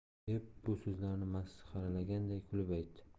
deb bu so'zlarni masxaralaganday kulib aytdi